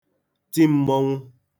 ti m̄mọ̄nwụ̄